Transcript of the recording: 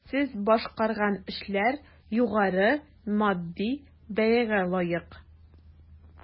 Сез башкарган эшләр югары матди бәягә лаек.